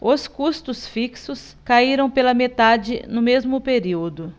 os custos fixos caíram pela metade no mesmo período